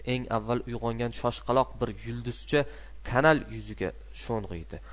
eng avval uyg'ongan shoshqaloq bir yulduzcha kanal suviga sho'ng'iydi